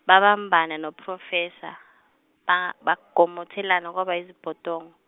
babambana no- Professor, ba- bagomothelana kwaba yizibhodongo.